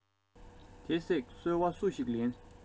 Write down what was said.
དེ བསྲེགས སོལ བ སུ ཞིག ལེན